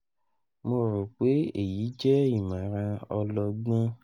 "Mo ro pe eyi jẹ imọran ọlọgbọn.